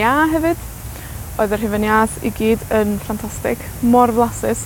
iâ hefyd. Odd yr hufen iâs i gyd yn ffantastig, mor flasus.